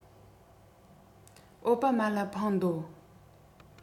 ཨའོ པ མ ལ འཕངས འདོད